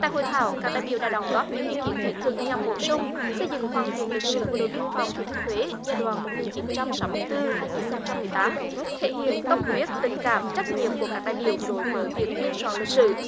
tại hội thảo các đại biểu đã đóng góp nhiều ý kiến thiết thực nhằm bổ sung xây dựng hoàn thiện lịch sử bộ đội biên phòng thừa thiên huế giai đoạn một nghìn chín trăm sáu mươi tư hai nghìn không trăm mười tám thể hiện tâm huyết tình cảm trách nhiệm của các đại biểu đối với việc biên soạn lịch sử